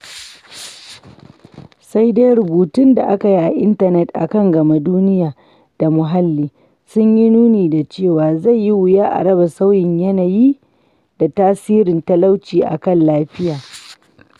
Sai dai, rubutun da aka yi a intanet a kan Gama-duniya da Muhalli sun yi nuni da cewa, zai yi wuya a raba sauyin yanayi da tasirin talauci a kan lafiya.